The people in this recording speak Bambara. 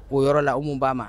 O yɔrɔ la umu b'a ma